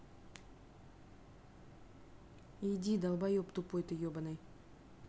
иди долбоеб тупой ты ебаный